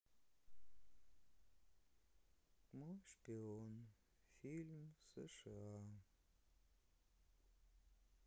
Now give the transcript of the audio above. мой шпион фильм сша